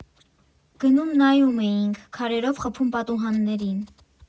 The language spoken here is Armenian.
Գնում֊նայում էինք, քարերով խփում պատուհաններին։